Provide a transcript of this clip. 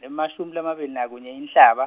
emashumi lamabili nakunye Inhlaba.